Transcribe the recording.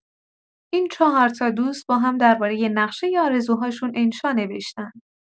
این چهار تا دوست با هم دربارۀ نقشۀ آرزوهاشون انشاء نوشتن